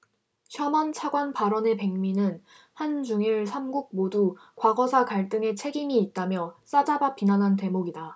셔먼 차관 발언의 백미는 한 중 일 삼 국 모두 과거사 갈등에 책임이 있다며 싸잡아 비난한 대목이다